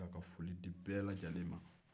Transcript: ka foli di bɛɛ lajɛlen ma